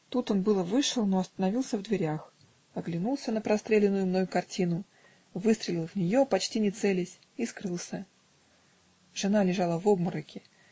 Тут он было вышел, но остановился в дверях, оглянулся на простреленную мною картину, выстрелил в нее, почти не целясь, и скрылся. Жена лежала в обмороке